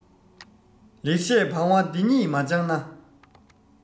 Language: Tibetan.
ལེགས བཤད བང བ འདི གཉིས མ སྦྱངས ན